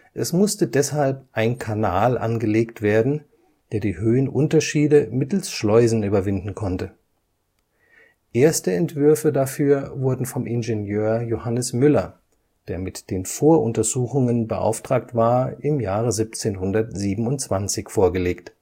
Es musste deshalb ein Kanal angelegt werden, der die Höhenunterschiede mittels Schleusen überwinden konnte. Erste Entwürfe dafür wurden vom Ingenieur Johannes Müller, der mit den Voruntersuchungen beauftragt war, im Jahre 1727 vorgelegt